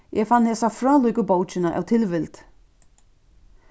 eg fann hesa frálíku bókina av tilvild